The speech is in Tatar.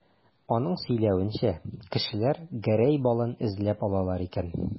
Аның сөйләвенчә, кешеләр Гәрәй балын эзләп алалар икән.